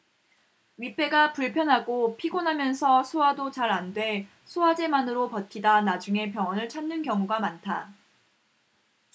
윗배가 불편하고 피곤하면서 소화도 잘 안 돼 소화제만으로 버티다 나중에 병원을 찾는 경우가 많다